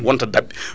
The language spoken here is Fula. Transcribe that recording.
wonta dabɓe